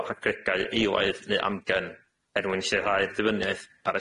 o hagregau eilaidd neu amgen er mwyn lleihau'r dibyniaeth ar